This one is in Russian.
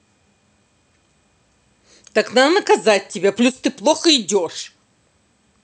так надо наказать тебя плюс ты плохо идешь